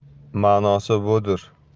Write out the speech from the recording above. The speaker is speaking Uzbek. ma'nosi budir